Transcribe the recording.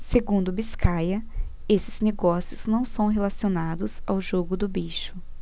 segundo biscaia esses negócios não são relacionados ao jogo do bicho